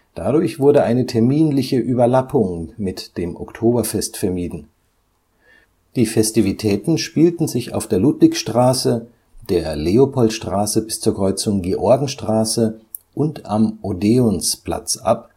Dadurch wurde eine terminliche Überlappung mit dem Oktoberfest vermieden. Die Festivitäten spielten sich auf der Ludwigstraße, der Leopoldstraße bis zur Kreuzung Georgenstraße und am Odeonsplatz ab